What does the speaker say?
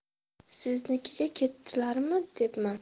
siznikiga ketdilarmi debman